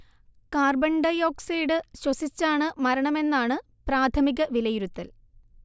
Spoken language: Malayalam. കാർബൺ ഡൈഓക്സൈഡ് ശ്വസിച്ചാണ് മരണമെന്നാണ് പ്രാഥമിക വിലയിരുത്തൽ